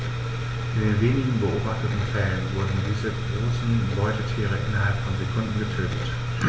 In den wenigen beobachteten Fällen wurden diese großen Beutetiere innerhalb von Sekunden getötet.